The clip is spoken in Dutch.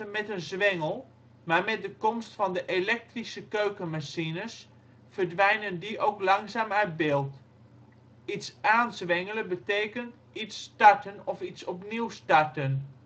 met een zwengel, maar met de komst van de elektrische keukenmachines verdwijnen die ook langzaam uit beeld. Iets aanzwengelen betekent iets (opnieuw) starten